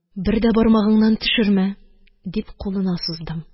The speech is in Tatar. Бер дә бармагыңнан төшермә, – дип, кулына суздым.